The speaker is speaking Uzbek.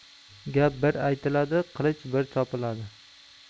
gap bir aytiladi qilich bir chopiladi